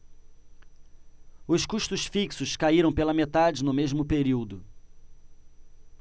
os custos fixos caíram pela metade no mesmo período